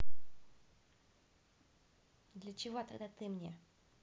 для чего тогда ты мне